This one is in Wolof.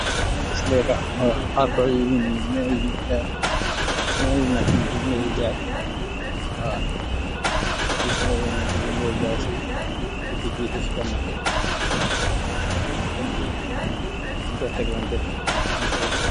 Maa ngi gis leeka, waaw ardo yi, ñu ngi ñii, meew yi. Meew I nak yi ñuy jaay, waaw. Meew i nak yi ñuy jaay si bitik yi si supa market yi. Waaw, ñung ko tiye, ñung ko teklaante.